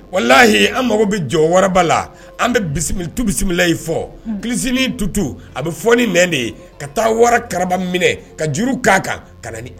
Walahi an mago bi jɔ Waraba la . An tu bisimilayi fɔ. kilisinin tutu a bi fɔ nɛn de ye. ka taa waraba karaba minɛ ka juru ka kan , ka na ni a